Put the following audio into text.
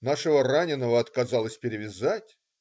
Нашего раненого отказалась перевязать.